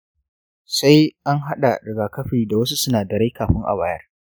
sai an hada rigakafi da wasu sinadirai kafin a bayar.